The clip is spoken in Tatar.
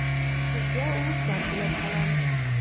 Сезгә уңышлар теләп калам.